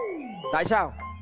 tại sao